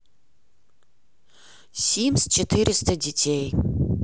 симс четыреста детей